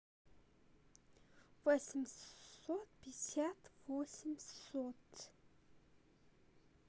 восемьсот пятьсот восемьсот